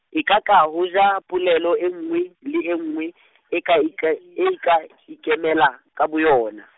ekaka, hoja, polelo e nngwe le e nngwe , e ka e ka, e ka , ikemela ka boyona.